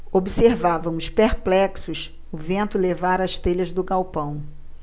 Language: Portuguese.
observávamos perplexos o vento levar as telhas do galpão